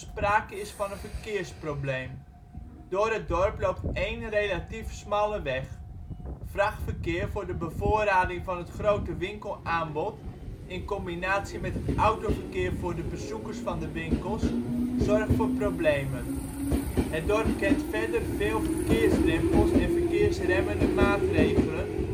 sprake is van een verkeersprobleem. Door het dorp loopt één relatief smalle weg. Vrachtverkeer voor de bevoorrading van het grote winkelaanbod in combinatie met het autoverkeer voor de bezoekers van de winkels zorgt voor problemen. Het dorp kent verder veel verkeersdrempels en verkeersremmende maatregelen